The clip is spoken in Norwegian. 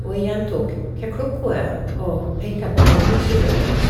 og pekte på armbåndsuret hennes.